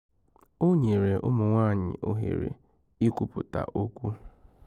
O nyere ụmụ nwaanyị ohere ikwupụta okwu.